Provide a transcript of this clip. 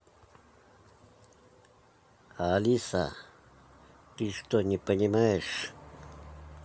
алиса ты что не понимаешь